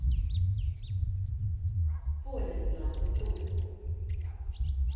полис нахуй трубку